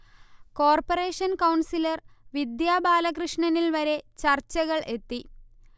corporation councillor Vidya ബാലകൃഷ്ണനിൽ വരെ ചർച്ചകൾ എത്തി